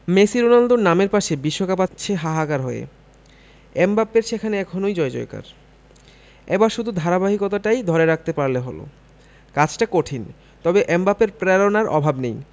Messi রোনালদোর নামের পাশে বিশ্বকাপ আছে হাহাকার হয়ে এমবাপ্পের সেখানে এখনই জয়জয়কার এবার শুধু ধারাবাহিকতাটা ধরে রাখতে পারলেই হলো কাজটা কঠিন তবে এমবাপ্পের প্রেরণার অভাব নেই